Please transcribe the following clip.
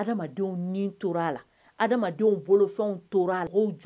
Hadamadenw nin tor'a la, hadamadenw bolofɛnw tora mɔgɔw j